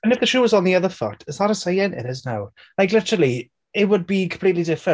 And if the shoe was on the other foot... Is that a saying? It is now. Like, literally, it would be completely different.